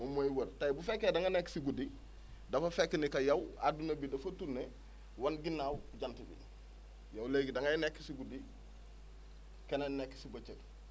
moom mooy wër tey bu fekkee da nga nekk si guddi dafa fekk ni que yow adduna bi dafa tourné wan ginnaaw jant bi yow léegi da ngay nekk si guddi keneen nekk si bëccëg